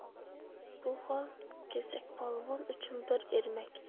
bu hol kesakpolvon uchun bir ermak